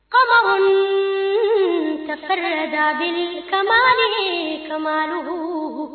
Kamalensonin tɛ da kamalenin kadugu